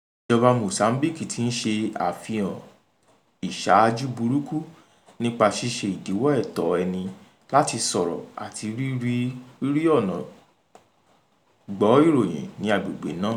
Ìjọba Mozambique ti ń ṣe àfihàn ìṣáájú burúkú nípa ṣíṣe ìdíwọ́ ẹ̀tọ́ ẹni láti sọ̀rọ̀ àti rírí ọ̀nà gbọ́ ìròyìn ní agbègbè náà.